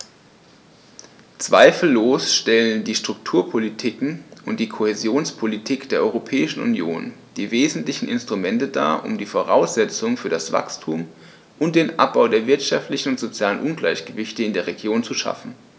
Zweifellos stellen die Strukturpolitiken und die Kohäsionspolitik der Europäischen Union die wesentlichen Instrumente dar, um die Voraussetzungen für das Wachstum und den Abbau der wirtschaftlichen und sozialen Ungleichgewichte in den Regionen zu schaffen.